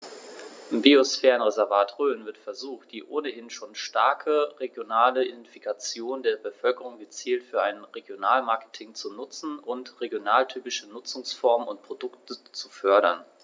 Im Biosphärenreservat Rhön wird versucht, die ohnehin schon starke regionale Identifikation der Bevölkerung gezielt für ein Regionalmarketing zu nutzen und regionaltypische Nutzungsformen und Produkte zu fördern.